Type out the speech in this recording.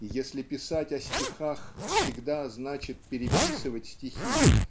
И если писать о стихах всегда значит переписывать стихи